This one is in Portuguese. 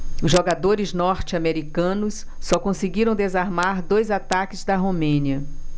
os jogadores norte-americanos só conseguiram desarmar dois ataques da romênia